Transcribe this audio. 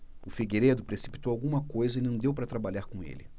o figueiredo precipitou alguma coisa e não deu para trabalhar com ele